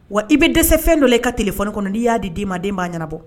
Wa i bɛ dɛsɛfɛn dɔ i ka tile fɔlɔ kɔnɔ n'i y'a di'i ma den'a ɲɛnaanabɔ